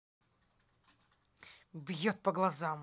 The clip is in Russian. бьет по глазам